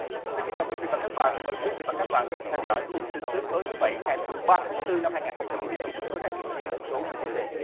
xin kính chào quý vị và các bạn mời quý vị và các bạn cùng theo dõi khung tin tức tối thứ bảy ngày mười ba tháng tư năm hai ngàn không trăm mười chín của đài truyền hình kỹ thuật số vê tê xê